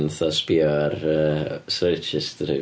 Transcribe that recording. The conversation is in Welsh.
Fatha sbïo ar yy search history.